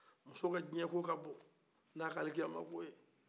muso ka dunuya ko kabo ni a ka alikiyama ko ye